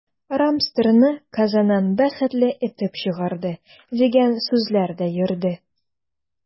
“рамстор”ны казаннан “бәхетле” этеп чыгарды, дигән сүзләр дә йөрде.